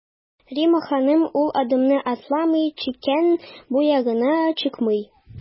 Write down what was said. Римма ханым ул адымны атламый, чикнең бу ягына чыкмый.